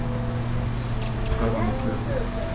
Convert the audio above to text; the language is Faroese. skarvanesvegur